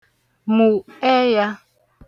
mụ̀ ẹyā